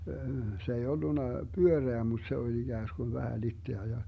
se ei ollut pyöreä mutta se oli ikään kuin vähän litteä ja